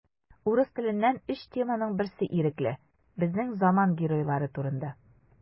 Урыс теленнән өч теманың берсе ирекле: безнең заман геройлары турында.